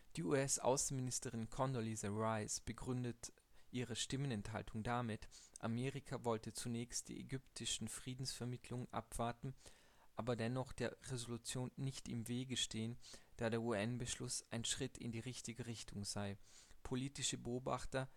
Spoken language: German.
Die US-Außenministerin Condoleezza Rice begründete ihre Stimmenthaltung damit, Amerika wollte zunächst die ägyptischen Friedensvermittlungen abwarten, aber dennoch der Resolution nicht im Wege stehen, da der UN-Beschluss ein Schritt in die richtige Richtung sei. Politische Beobachter